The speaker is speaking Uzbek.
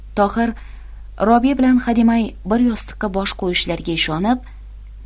tohir robiya bilan hademay bir yostiqqa bosh qo'yishlariga ishonib